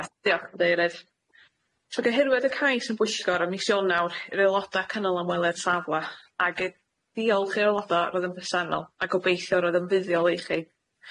Ia diolch cadeirydd, so gohirwyd y cais yn bwyllgor am mis Ionawr i'r aeloda cynnal amweliad safle ag yy diolch i'r aelodau roedd yn bresennol a gobeithio roedd yn fuddiol i chi.